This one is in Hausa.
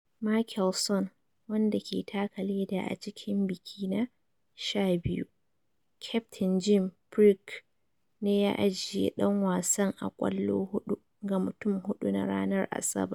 Mickelson, wanda ke taka leda a cikin biki na 12, kyaftin Jim Furyk ne ya ajiye dan wasan a kwallo hudu ga mutum hudu na ranar Asabar.